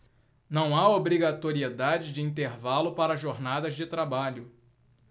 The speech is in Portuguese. não há obrigatoriedade de intervalo para jornadas de trabalho